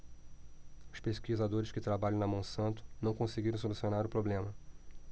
os pesquisadores que trabalham na monsanto não conseguiram solucionar o problema